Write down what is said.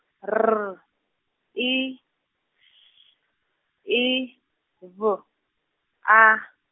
R, I, S, I, V, A.